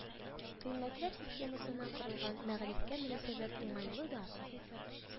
Кыйммәтләр системасына корылган мәгарифкә мөнәсәбәт уңай да,